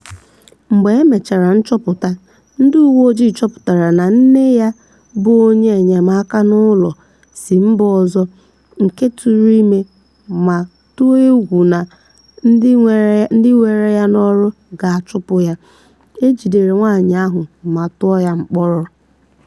Mgbe emechara nchọpụta, ndị uwe ojii chọpụtara na nne ya bụ onye enyemaka n'ụlọ si mba ọzọ nke tụụrụ ime ma na-atụ egwu na ndị were ya n'ọrụ ga-achụpụ ya. E jidere nwaanyị ahụ ma tụọ ya mkpọrọ.